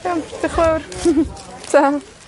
Iaw, dioch fawr ta.